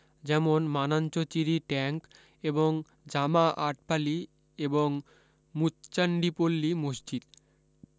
যেমন মানাঞ্চচিরি ট্যাঙ্ক এবং জামা আটপালি এবং মুচ্চান্ডিপল্লী মসজিদ